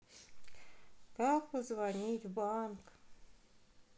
как позвонить в банк